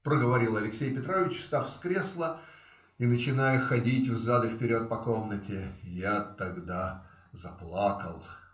проговорил Алексей Петрович, встав с кресла и начиная ходить взад и вперед по комнате - я тогда заплакал.